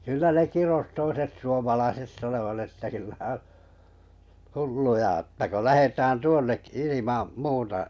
kyllä ne kirosi toiset suomalaiset sanoivat että kyllä on hulluja että kun lähdetään tuonnekin ilman muuta